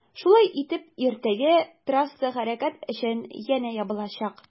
Шулай итеп иртәгә трасса хәрәкәт өчен янә ябылачак.